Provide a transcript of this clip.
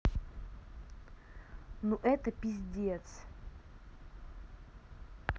ну это пиздец